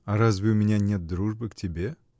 — А разве у меня нет дружбы к тебе?